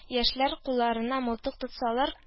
Яшьләр, кулларына мылтык тотсалар